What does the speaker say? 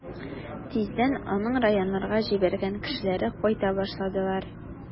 Тиздән аның районнарга җибәргән кешеләре кайта башладылар.